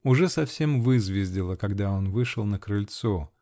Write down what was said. Уже совсем "вызвездило", когда он вышел на крыльцо.